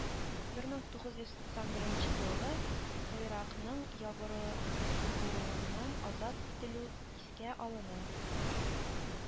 Бер мең тугыз йөз туксан беренче елгы гыйракның ябыры луыңнан азат ителү искә алына